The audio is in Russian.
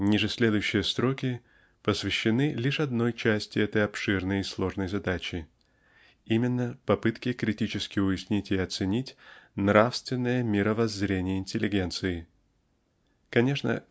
Нижеследующие строки посвящены лишь одной части этой обширной и сложной задачи--именно попытке критически уяснить и оценить нравственное миро воззрение интеллигенции. Конечно